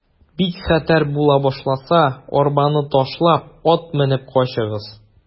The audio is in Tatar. Бик хәтәр була башласа, арбаны ташлап, ат менеп качыгыз.